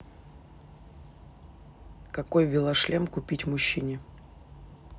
какой велошлем купить мужчине